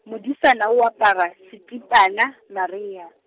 modisana o apara, setipana, mariha.